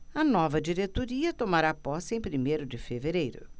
a nova diretoria tomará posse em primeiro de fevereiro